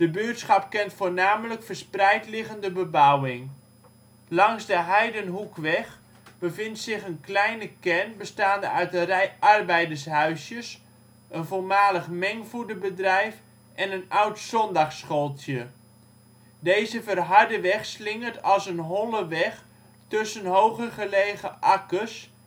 buurtschap kent voornamelijk verspreid liggende bebouwing. Langs de Heidenhoekweg bevindt zich een kleine kern bestaande uit een rij arbeidershuisjes, een voormalig mengvoederbedrijf en een oud zondagsschooltje. Deze verharde weg slingert als een holleweg tussen hoger gelegen akkers